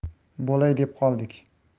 bo'lay deb qoldik